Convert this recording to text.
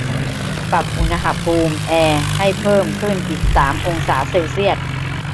ปรับอุณหภูมิแอร์ให้เพิ่มขึ้นอีกสามองศาเซลเซียส